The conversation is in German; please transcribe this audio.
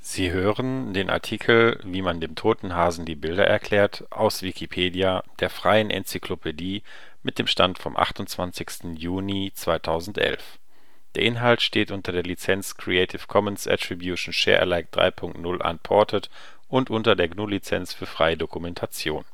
Sie hören den Artikel Wie man dem toten Hasen die Bilder erklärt, aus Wikipedia, der freien Enzyklopädie. Mit dem Stand vom Der Inhalt steht unter der Lizenz Creative Commons Attribution Share Alike 3 Punkt 0 Unported und unter der GNU Lizenz für freie Dokumentation